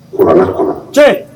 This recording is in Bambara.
Kuranɛ kɔnɔ. Tiɲɛ!